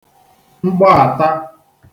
mgbaàta